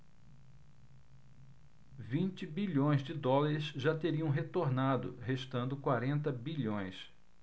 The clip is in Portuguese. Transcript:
vinte bilhões de dólares já teriam retornado restando quarenta bilhões